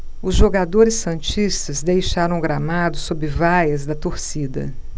os jogadores santistas deixaram o gramado sob vaias da torcida